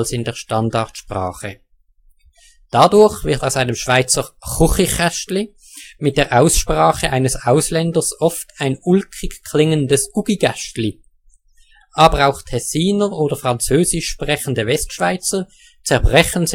in der Standardsprache. Dadurch wird aus einem Schweizer „ Chuchichäschtli “mit der Aussprache eines Ausländers oft ein ulkig klingendes „ Guggigäschtli ". Aber auch Tessiner oder französisch sprechende Westschweizer zerbrechen